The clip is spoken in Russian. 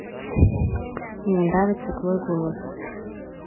мне нравится твой голос